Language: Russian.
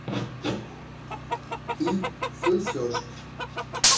а ты сосешь